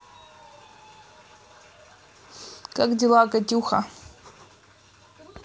как дела катюха